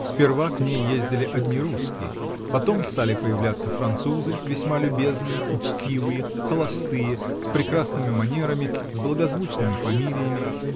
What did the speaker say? Сперва к ней ездили одни русские, потом стали появляться французы, весьма любезные, учтивые, холостые, с прекрасными манерами, с благозвучными фамилиями